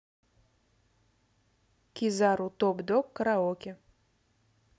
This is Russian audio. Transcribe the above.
кизару топ дог караоке